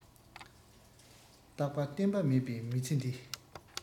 རྟག པ བརྟན པ མེད པའི མི ཚེ འདི